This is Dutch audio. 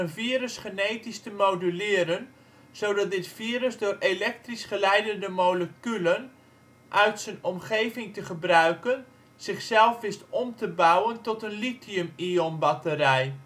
virus genetisch te moduleren zodat dit virus door elektrisch geleidende moleculen uit z 'n omgeving te gebruiken zichzelf wist om te bouwen tot een lithium-ion batterij